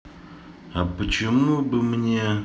а почему бы мне